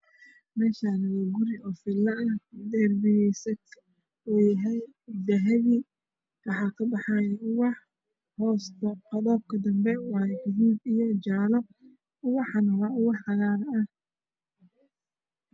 Meeshaan waa guri oo fillo ah darbigiisu waa dahabi waxaa kabaxaayo ubax. Caaga dambe waa gaduud iyo jaalo, ubaxana waa cagaar.